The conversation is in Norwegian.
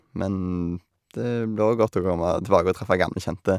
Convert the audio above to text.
Men det blir òg godt å komme tilbake og treffe gamle kjente.